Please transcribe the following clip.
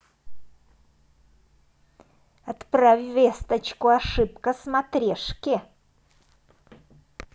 отправь весточку ошибка смотрешки